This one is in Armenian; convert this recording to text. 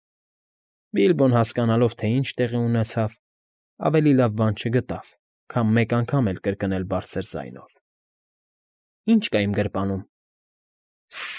Բիլբոն հասկանալով, թե ինչ տեղի ուենցավ, ավելի լավ բան չգտավ, քան մեկ անգամ էլ կրկնել բարձր ձայնով. ֊ Ի՞նչ կա իմ գրպանում։ ֊